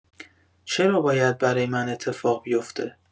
چرا باید برای من اتفاق بی افته؟